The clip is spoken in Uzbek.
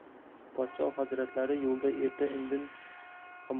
podsho hazratlari yo'lda erta